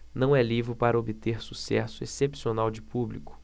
não é livro para obter sucesso excepcional de público